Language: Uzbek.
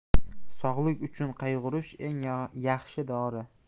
sog'lik uchun qayg'urish eng yaxshi dori